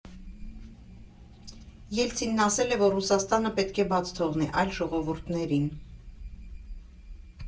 Ելցինն ասել է, որ Ռուսաստանը պետք է բաց թողնի այլ ժողովուրդներին։